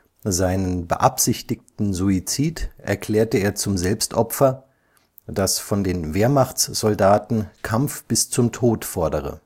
Seinen beabsichtigten Suizid erklärte er zum Selbstopfer, das von den Wehrmachtssoldaten Kampf bis zum Tod fordere